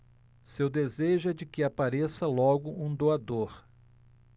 seu desejo é de que apareça logo um doador